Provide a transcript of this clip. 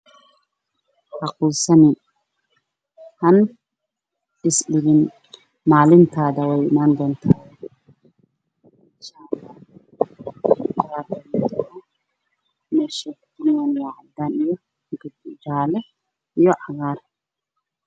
Ha quusan hana isdhiibin maalintaada way imaan doontaa inshaalah